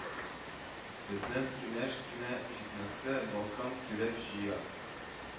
Безнең киңәш кенә җитмәсә, волком килеп җыяр